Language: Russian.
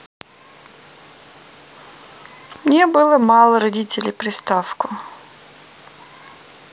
мне было мало родителей приставку